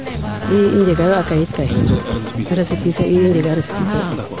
i i njega yo a kayit kay recipicé i i njega yo a recipicé